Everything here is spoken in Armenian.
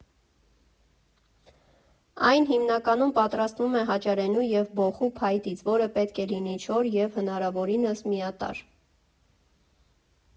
Այն հիմնականում պատրաստվում է հաճարենու և բոխու փայտից, որը պետք է լինի չոր և հնարավորինս միատարր։